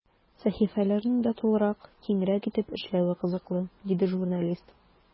Сәхифәләрне дә тулырак, киңрәк итеп эшләве кызыклы, диде журналист.